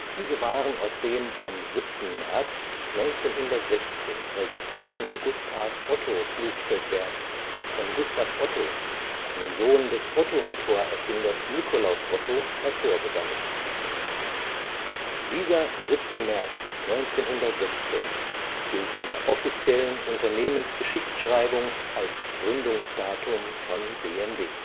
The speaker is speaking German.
Diese waren aus dem am 7. März 1916 registrierten Gustav-Otto-Flugzeugwerk von Gustav Otto, einem Sohn des Ottomotor-Erfinders Nikolaus Otto, hervorgegangen. Dieser 7. März 1916 gilt in der offiziellen Unternehmensgeschichtsschreibung als Gründungsdatum von BMW